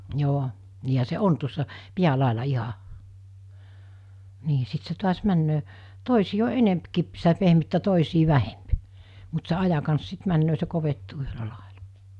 joo niinhän se on tuossa päälaella ihan niin sitten se taas menee toisien on enempikin sitä pehmyttä toisien vähempi mutta se ajan kanssa sitten menee se kovettuu yhdellä lailla